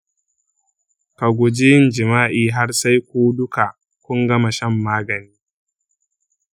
ka guji yin jima’i har sai ku duka kun gama shan magani.